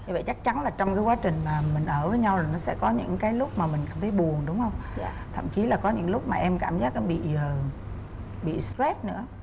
vậy chắc chắn là trong quá trình mà mình ở nhau là nó sẽ có những cái lúc mà mình cảm thấy buồn đúng không thậm chí có những lúc mà em cảm giác bị ờ bị sờ troét nữa